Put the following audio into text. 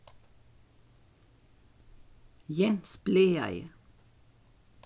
jens blaðaði